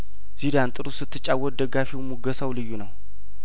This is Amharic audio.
ዚዳን ጥሩ ስትጫወት ደጋፊው ሙገሳው ልዩ ነው